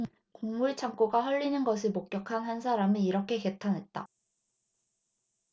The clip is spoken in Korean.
곡물 창고가 헐리는 것을 목격한 한 사람은 이렇게 개탄했다